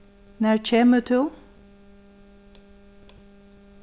nær kemur tú